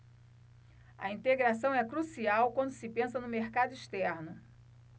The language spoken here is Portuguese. a integração é crucial quando se pensa no mercado externo